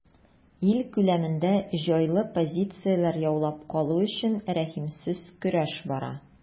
Ил күләмендә җайлы позицияләр яулап калу өчен рәхимсез көрәш бара.